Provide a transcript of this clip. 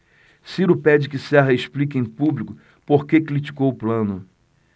ciro pede que serra explique em público por que criticou plano